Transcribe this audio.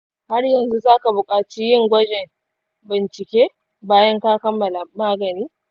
har yanzu za ka buƙaci yin gwajin bincike bayan ka kammala magani.